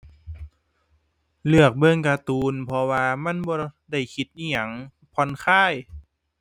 เลือกเบิ่งการ์ตูน เพราะว่ามันบ่ได้คิดอิหยัง ผ่อนคลาย